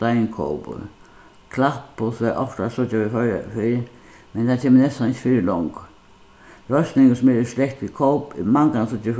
steinkópur klappus var ofta at síggja við føroyar fyrr men tað kemur næstan ikki fyri longur roysningur sum er í slekt við kóp er mangan at síggja í